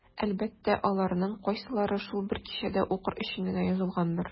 Әлбәттә, аларның кайсылары шул бер кичәдә укыр өчен генә язылгандыр.